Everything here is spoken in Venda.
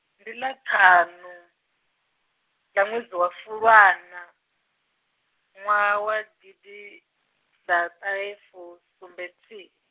ndi ḽa ṱhanu, ḽa ṅwedzi wa Fulwana, ṅwaha gidiḓaṱahefusumbenthihi.